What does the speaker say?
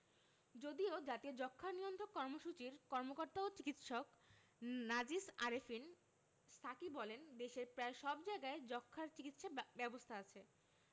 যদিও জাতীয় যক্ষ্মা নিয়ন্ত্রণ কর্মসূচির কর্মকর্তা ও চিকিৎসক নাজিস আরেফিন সাকী বলেন দেশের প্রায় সব জায়গায় যক্ষ্মার চিকিৎসা ব্যবস্থা আছে